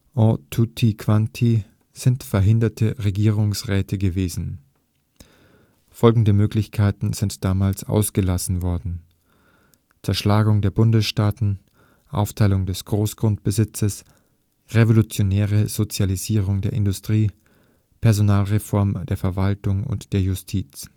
è tutti quanti sind verhinderte Regierungsräte gewesen. (…) Folgende Möglichkeiten sind damals ausgelassen worden: Zerschlagung der Bundesstaaten; Aufteilung des Großgrundbesitzes; Revolutionäre Sozialisierung der Industrie; Personalreform der Verwaltung und der Justiz